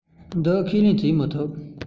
འདི ཁས ལེན བྱེད མི ཐུབ